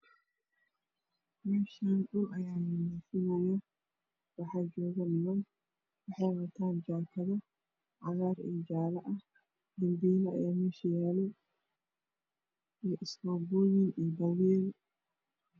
Meshan dhul aya lanidifnay waxajoga niman waxey watan jakado cagar io jale ah dabil aya mesha yalo io iskoboyin io badiil